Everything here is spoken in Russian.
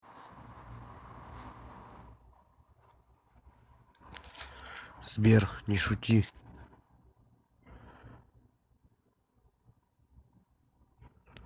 сбер не шути